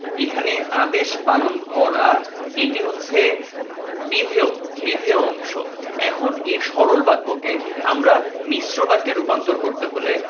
এখানে আদেশ পালন করা এটি হচ্ছে বিধেয় বিধেয় অংশ এখন এই সরল বাক্য কে আমরা মিশ্র বাক্যে রুপান্তর করতে হলে